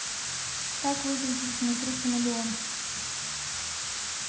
как выглядит внутри chameleon